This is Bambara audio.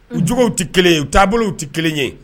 U jogow tɛ 1 ye u taabolow tɛ 1 ye.